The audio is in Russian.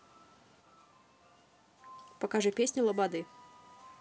покажи песни лободы